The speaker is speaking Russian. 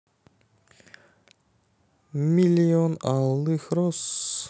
миллион алых роз